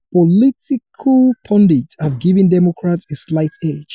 Political pundits have given Democrats a slight edge.